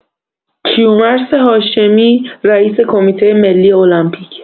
کیومرث هاشمی رئیس کمیته ملی المپیک